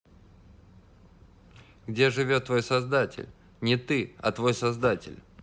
где живет твой создатель не ты а твой создатель